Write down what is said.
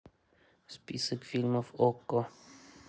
список фильмов окко